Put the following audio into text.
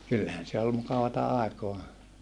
kyllähän se oli mukavaa aikaa